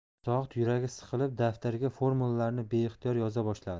zohid yuragi siqilib daftarga formulalarni beixtiyor yoza boshladi